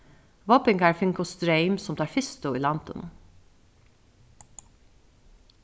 vágbingar fingu streym sum teir fyrstu í landinum